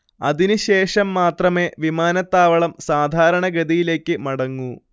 അതിന് ശേഷം മാത്രമേ വിമാനത്താവളം സാധാരണഗതിയിലേക്ക് മടങ്ങൂ